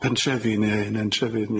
pentrefi neu 'yn trefi n-